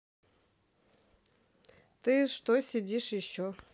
ты что сидишь еще